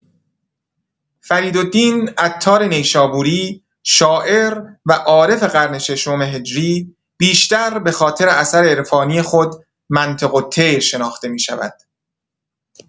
فریدالدین عطار نیشابوری، شاعر و عارف قرن ششم هجری، بیشتر به‌خاطر اثر عرفانی خود «منطق‌الطیر» شناخته می‌شود.